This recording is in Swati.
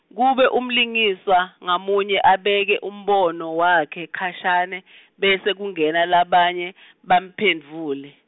kube umlingiswa, ngamunye abeke umbono, wakhe khashane, bese kungena labanye, bamphendvule.